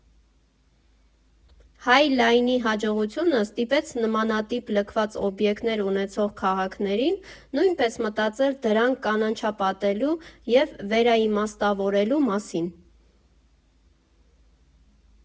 Հայ Լայնի հաջողությունը ստիպեց նմանատիպ լքված օբյեկտներ ունեցող քաղաքներին նույնպես մտածել դրանք կանաչապատելու և վերաիմաստավորելու մասին։